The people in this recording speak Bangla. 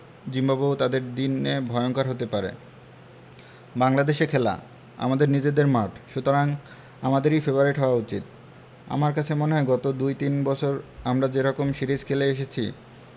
জিম্বাবুয়েও তাদের দিনে ভয়ংকর হতে পারে বাংলাদেশে খেলা আমাদের নিজেদের মাঠ সুতরাং আমাদেরই ফেবারিট হওয়া উচিত আমার কাছে মনে হয় গত দু তিন বছর আমরা যে রকম সিরিজ খেলে এসেছি